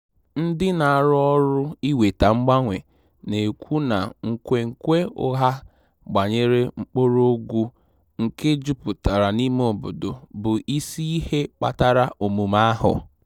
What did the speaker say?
Ndị na-arụ ọrụ iweta mgbanwe na-ekwu na nkwenkwe ụgha gbanyere mkpọrọgwụ nke jupụtara n'ime obodo bụ isi ihe kpatara omume ahụ.